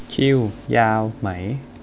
คิวยาวไหม